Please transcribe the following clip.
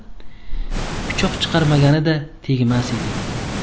pichoq chiqarmaganida tegmas edik